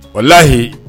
O layi